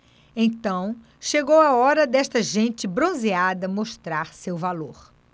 então chegou a hora desta gente bronzeada mostrar seu valor